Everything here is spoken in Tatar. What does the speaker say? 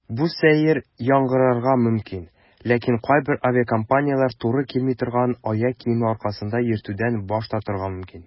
Бу сәер яңгырарга мөмкин, ләкин кайбер авиакомпанияләр туры килми торган аяк киеме аркасында йөртүдән баш тартырга мөмкин.